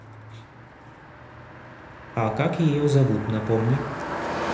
а как ее зовут напомни